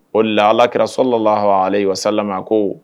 O la alakira sɔrɔlala laha wa sa ko